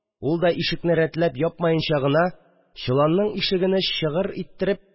Ул да, ишекне рәтләп япмаенча гына, чоланның ишегене «чыгыр» иттереп